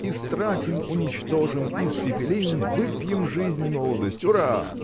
Истратим, уничтожим, испепелим, выпьем жизнь и молодость! Ура!